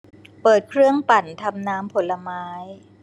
เปิดเครื่องปั่นทำน้ำผลไม้